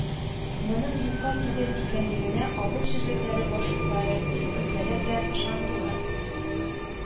Моның юкка түгел икәнлегенә авыл җирлекләре башлыклары үз күзләре белән ышандылар